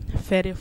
Un fɛlen